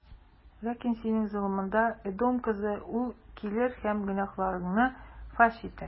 Ләкин синең золымыңа, Эдом кызы, ул килер һәм гөнаһларыңны фаш итәр.